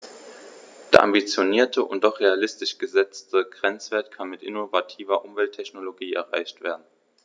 Der ambitionierte und doch realistisch gesetzte Grenzwert kann mit innovativer Umwelttechnologie erreicht werden.